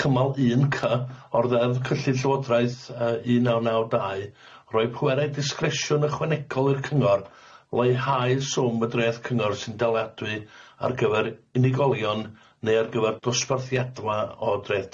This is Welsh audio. cymal un cy- o'r ddeddf cyllid Llywodraeth yy un naw naw dau roi pwerau disgresiwn ychwanegol i'r cyngor leihau swm y dreth cyngor sy'n daliadwy ar gyfer unigolion neu ar gyfer dosbarthiadfa o dreth